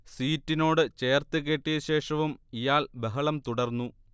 സീറ്റിനോട് ചേർത്ത് കെട്ടിയ ശേഷവും ഇയാൾ ബഹളം തുടർന്നു